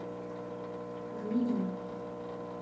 в меню